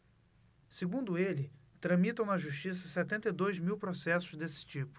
segundo ele tramitam na justiça setenta e dois mil processos desse tipo